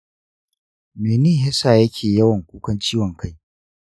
mene yasa yake yawan kukan ciwon kai?